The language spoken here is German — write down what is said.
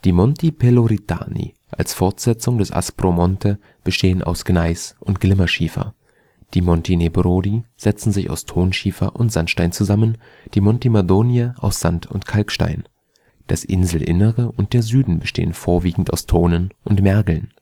Monti Peloritani als Fortsetzung des Aspromonte bestehen aus Gneis und Glimmerschiefer. Die Monti Nebrodi setzen sich aus Tonschiefer und Sandstein zusammen, die Monti Madonie aus Sand - und Kalkstein. Das Inselinnere und der Süden bestehen vorwiegend aus Tonen und Mergeln